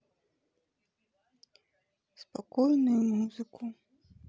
спокойную музыку